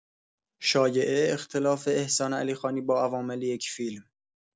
شایعه اختلاف احسان علیخانی با عوامل یک فیلم